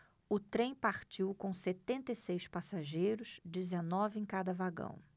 o trem partiu com setenta e seis passageiros dezenove em cada vagão